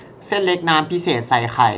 เส้นเล็กน้ำพิเศษใส่ไข่